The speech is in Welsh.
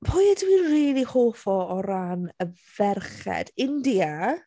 Pwy ydw i'n rili hoff o o ran y ferched? India.